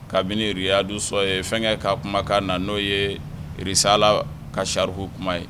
Kabiniriyadu sɔn ye fɛnkɛ ka kuma'a na n'o ye sa ala ka sariku kuma ye